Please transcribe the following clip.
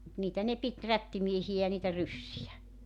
mutta niitä ne piti rättimiehiä ja niitä ryssiä